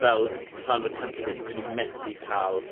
Fel rhan o'r cynllun. 'dyn n'w methu ca'l